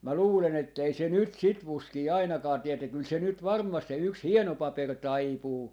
minä luulen että ei se nyt sitä fuskia ainakaan tee että kyllä se nyt varmasti se yksi hieno paperi taipuu